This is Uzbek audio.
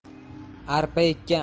arpa ekkan arpa